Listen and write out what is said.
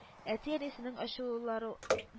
Әти-әнисенең ачулару